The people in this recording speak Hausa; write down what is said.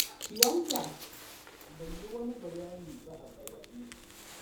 Pyongyang bai yi wani bayani ba a baya ne.